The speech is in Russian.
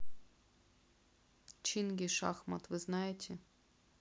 chingy шахмат вы знаете